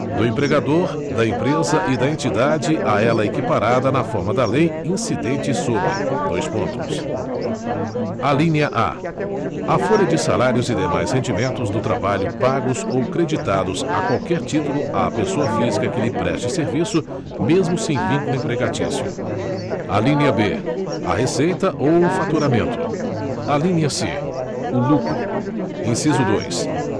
do empregador da empresa e da entidade a ela equiparada na forma da lei incidentes sobre dois pontos alínea a a folha de salários e demais rendimentos do trabalho pagos ou creditados a qualquer título à pessoa física que lhe preste serviço mesmo sem vínculo empregatício alínea b a receita ou o faturamento alínea c o lucro inciso dois